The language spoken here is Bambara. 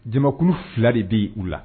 Jamakulu fila de bɛ u la